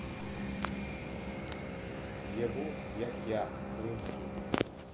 абу яхья крымский